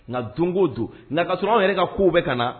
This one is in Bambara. Nga don go don , nga ka sɔrɔ anw yɛrɛ ka kow bɛ ka na.